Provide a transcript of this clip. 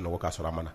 ' k kaa sɔrɔ a mana